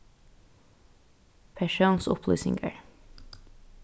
persónsupplýsingar